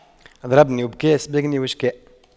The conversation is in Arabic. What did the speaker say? ضربني وبكى وسبقني واشتكى